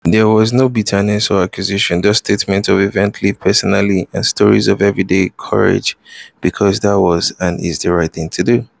There was no bitterness or accusation, just statements of events lived personally and stories of everyday courage because that was and is the right thing to do.